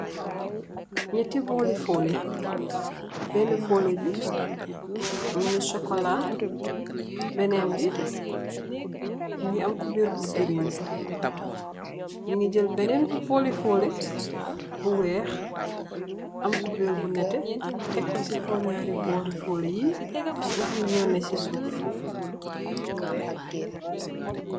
Neeti bowli foleh bana foleh bi mogi chocola benebi mogi am cuber bu green nyugi jeel benen bowli foleh teck bu weex am cuberr bu neteh teck ko si kaw naari bowli foleh yi nga hamnex moneka si suuf.